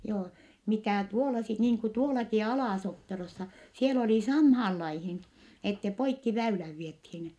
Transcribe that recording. joo mitä tuolla sitten niin kuin tuollakin Ala-Sopperossa siellä oli samaan lajiin että poikki väylän vietiin